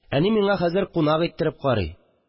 Әни миңа хәзер кунак иттереп карый